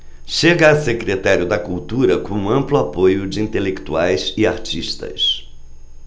chega a secretário da cultura com amplo apoio de intelectuais e artistas